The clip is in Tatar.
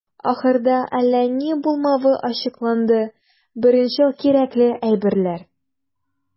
Ахырда, әллә ни булмавы ачыкланды - беренчел кирәкле әйберләр.